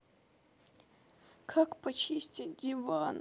как почистить диван